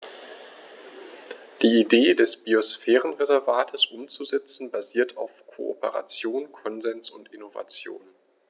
Die Idee des Biosphärenreservates umzusetzen, basiert auf Kooperation, Konsens und Innovation.